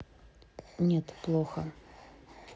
нет плохо